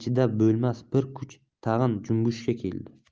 chidab bo'lmas bir kuch tag'in junbushga keldi